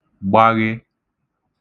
gbaghe